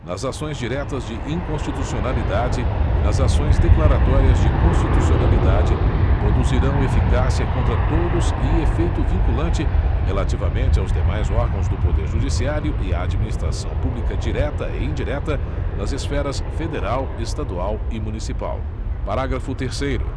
nas ações diretas de inconstitucionalidade e nas ações declaratórias de constitucionalidade produzirão eficácia contra todos e efeito vinculante relativamente aos demais órgãos do poder judiciário e à administração pública direta e indireta nas esferas federal estadual e municipal parágrafo terceiro